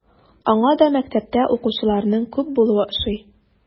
Аңа да мәктәптә укучыларның күп булуы ошый.